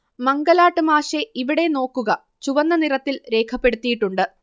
മംഗലാട്ട് മാശെ ഇവിടെ നോക്കുക ചുവന്ന നിറത്തിൽ രേഖപ്പെടുത്തിയിട്ടുണ്ട്